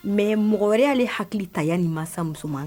Mɛ mɔgɔyaale hakili taya nin maa musoman ma